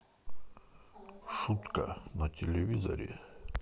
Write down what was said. шутка на телевизоре